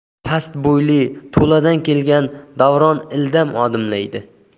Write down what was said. past bo'yli to'ladan kelgan davron ildam odimlaydi